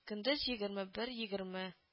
Көндез егерме бер-егерме